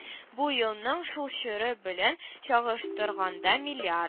Бу елның шул чоры белән чагыштырганда милиард